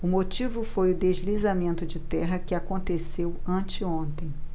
o motivo foi o deslizamento de terra que aconteceu anteontem